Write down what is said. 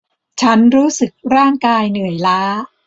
ฉันรู้สึกร่างกายเหนื่อยล้า